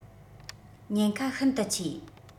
ཉེན ཁ ཤིན ཏུ ཆེ